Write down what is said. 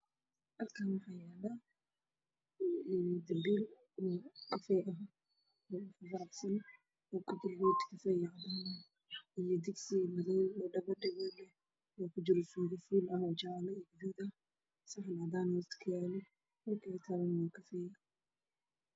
Waa dugsi waxaa lagu kordhinayaa suuga waxaa ka yaalla weel ay ku jirto rooti